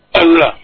Ayiwa